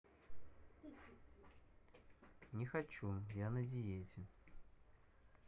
не хочу я на диете